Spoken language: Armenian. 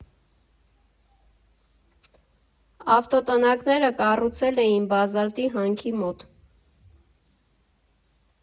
Ավտոտնակները կառուցել էին բազալտի հանքի մոտ։